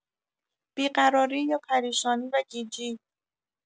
بیقراری یا پریشانی و گیجی